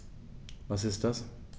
Was ist das?